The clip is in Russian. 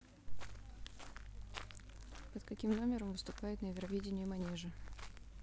под каким номером выступает на евровидении манежа